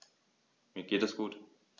Mir geht es gut.